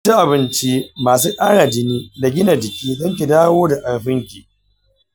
kici abinci masu kara jini da gina jiki don ki dawo da karfinki.